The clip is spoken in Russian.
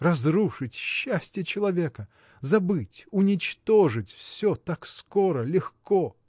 Разрушить счастье человека, забыть, уничтожить все так скоро, легко